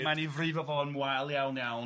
A mae'n ei frifo fo'n wael iawn iawn.